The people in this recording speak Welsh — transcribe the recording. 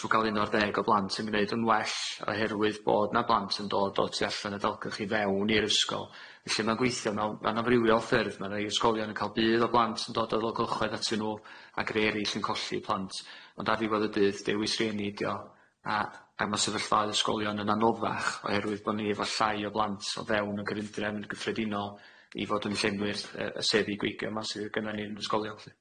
trw' ga'l un ar ddeg o blant yn gneud yn well oherwydd bod 'na blant yn dod o tu allan y dalgylch i fewn i'r ysgol felly ma'n gweithio mewn, mewn amrywiol ffyrdd ma' rei ysgolion yn ca'l budd o blant yn dod o ddalgylchoedd atyn nhw ag rei erill yn colli plant ond ar ddiwedd y dydd dewis rhieni dio a a ma' sefyllfaoedd ysgolion yn anoddach oherwydd bo' ni efo llai o blant o fewn y gyfundrefn yn gyffredinol i fod yn llenwi'r yy y seddi gweigion 'ma sydd gynnon ni yn yr ysgolion felly.